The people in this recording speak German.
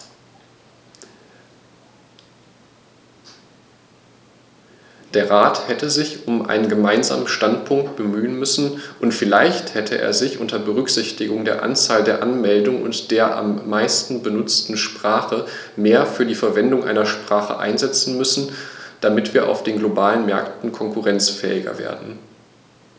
Der Rat hätte sich um einen gemeinsamen Standpunkt bemühen müssen, und vielleicht hätte er sich, unter Berücksichtigung der Anzahl der Anmeldungen und der am meisten benutzten Sprache, mehr für die Verwendung einer Sprache einsetzen müssen, damit wir auf den globalen Märkten konkurrenzfähiger werden.